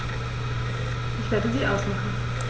Ich werde sie ausmachen.